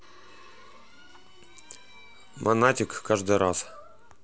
монатик каждый раз